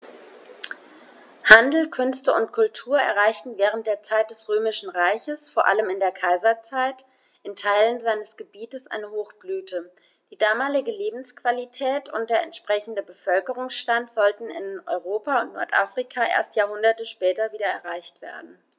Handel, Künste und Kultur erreichten während der Zeit des Römischen Reiches, vor allem in der Kaiserzeit, in Teilen seines Gebietes eine Hochblüte, die damalige Lebensqualität und der entsprechende Bevölkerungsstand sollten in Europa und Nordafrika erst Jahrhunderte später wieder erreicht werden.